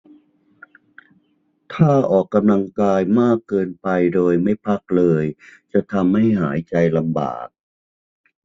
ถ้าออกกำลังกายมากเกินไปโดยไม่พักเลยจะทำให้หายใจลำบาก